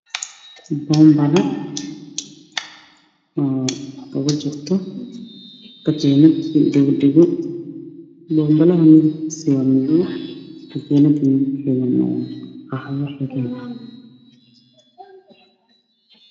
Bobilo oo kujiro katiinad io dhego bobalad midabkeda waa madow katinad waa qaxwi xigen